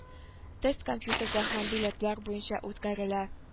Тест компьютерда һәм билетлар буенча үткәрелә